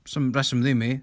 Does dim rheswm ddim i.